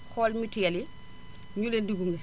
xool mutuelle yi ñu leen di gunge